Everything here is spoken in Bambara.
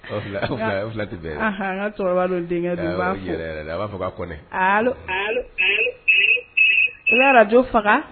Filati bɛ cɛkɔrɔba denkɛ b'a a b'a fɔ araj faga